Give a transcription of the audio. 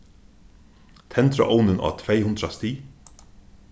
tendra ovnin á tvey hundrað stig